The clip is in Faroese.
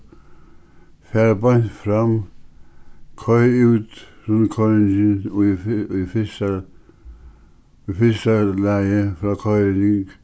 far beint fram koyr út rundkoyringin í í fyrsta í fyrsta lagi frákoyring